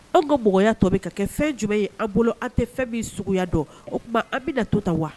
An ka mɔgɔya tɔ bɛ ka kɛ fɛn jumɛn ye an bolo aw tɛ fɛn bɛ suguya dɔn o tuma an bɛ na to ta wa